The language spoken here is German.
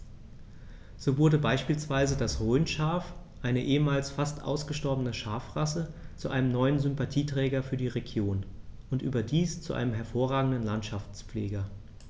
So wurde beispielsweise das Rhönschaf, eine ehemals fast ausgestorbene Schafrasse, zu einem neuen Sympathieträger für die Region – und überdies zu einem hervorragenden Landschaftspfleger.